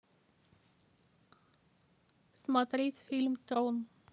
смотреть фильм трон